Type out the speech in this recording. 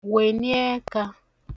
wèni ẹkā